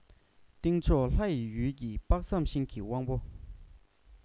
སྟེང ཕྱོགས ལྷ ཡི ཡུལ གྱི དཔག བསམ ཤིང གི དབང པོ